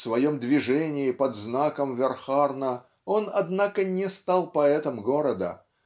в своем движении под знаком Верхарна он однако не стал поэтом города